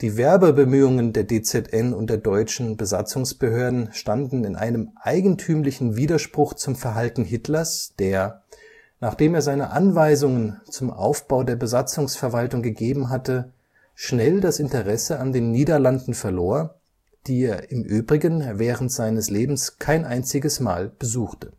Werbebemühungen der DZN und der deutschen Besatzungsbehörden standen in einem eigentümlichen Widerspruch zum Verhalten Hitlers, der, nachdem er seine Anweisungen zum Aufbau der Besatzungsverwaltung gegeben hatte, schnell das Interesse an den Niederlanden verlor, die er im übrigen während seines Lebens kein einziges Mal besuchte